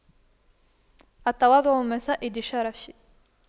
التواضع من مصائد الشرف